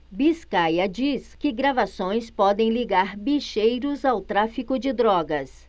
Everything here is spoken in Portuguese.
biscaia diz que gravações podem ligar bicheiros ao tráfico de drogas